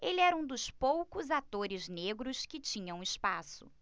ele era um dos poucos atores negros que tinham espaço